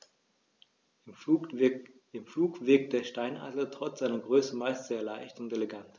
Im Flug wirkt der Steinadler trotz seiner Größe meist sehr leicht und elegant.